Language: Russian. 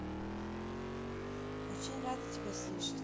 очень рада тебя слышать